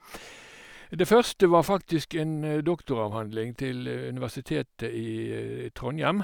Det første var faktisk en doktoravhandling til Universitetet i Trondhjem.